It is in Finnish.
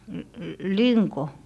-- linko